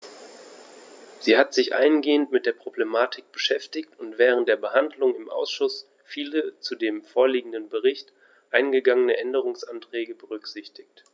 Sie hat sich eingehend mit der Problematik beschäftigt und während der Behandlung im Ausschuss viele zu dem vorliegenden Bericht eingegangene Änderungsanträge berücksichtigt.